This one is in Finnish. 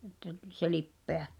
että tuli se lipeä